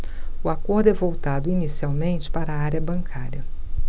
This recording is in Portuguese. o acordo é voltado inicialmente para a área bancária